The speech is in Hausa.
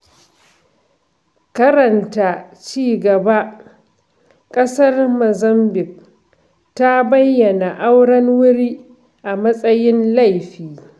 Karanta cigaba: ƙasar Muzambiƙue ta bayyana auren wuri a matsayin laifi.